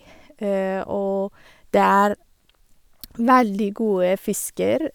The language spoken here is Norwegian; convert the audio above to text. Og det er veldig gode fisker.